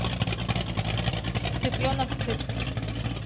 цыпленок цып